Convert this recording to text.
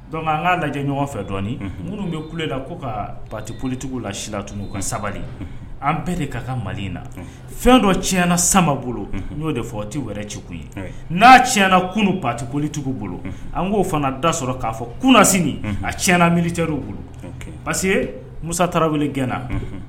Dɔnku an k'a lajɛ ɲɔgɔn fɛ dɔɔnin muru bɛ kula ko ka patiolitigiw la tun' ka sabali an bɛɛ de ka ka mali in na fɛn dɔ tiɲɛna samaba bolo n y'o de fɔ tɛ wɛrɛ cogo ye n'a tiɲɛna kununu patiolitigiw bolo an k'o fana da sɔrɔ k'a fɔ kun sini a tiɲɛna milir bolo parce mu taara weele gɛnna